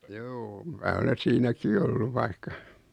juu minä olen siinäkin ollut vaikka